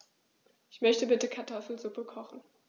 Ich möchte bitte Kartoffelsuppe kochen.